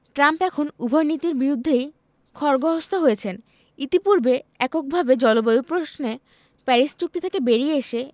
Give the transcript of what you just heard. Trump এখন এই উভয় নীতির বিরুদ্ধেই খড়গহস্ত হয়েছেন ইতিপূর্বে এককভাবে জলবায়ু প্রশ্নে প্যারিস চুক্তি থেকে বেরিয়ে এসে